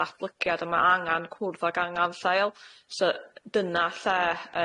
datblygiad a ma' angan cwrdd ag angan lleol so dyna lle